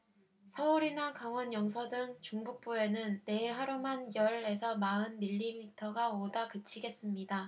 서울이나 강원 영서 등 중북부에는 내일 하루만 열 에서 마흔 밀리미터가 오다 그치겠습니다